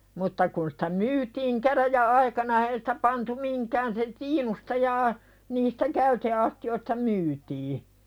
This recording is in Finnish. mutta kun sitä myytiin käräjäaikana eihän sitä pantu mihinkään se tiinusta ja niistä käyteastioista myytiin